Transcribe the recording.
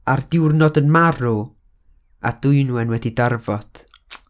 'Â'r diwrnod yn marw, a Dwynwen wedi darfod.'